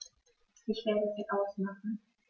Ich werde sie ausmachen.